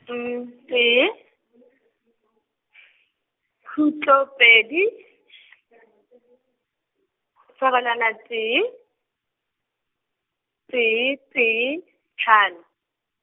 , tee, khutlo, pedi , fegelwana tee, tee, tee, hlano.